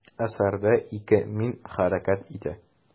Әсәрдә ике «мин» хәрәкәт итә.